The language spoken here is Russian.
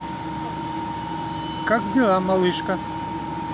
как дела малышка